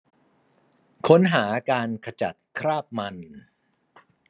ค้นหาการขจัดคราบมัน